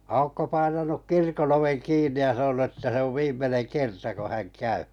Aukko painanut kirkon oven kiinni ja sanonut että se on viimeinen kerta kun hän käy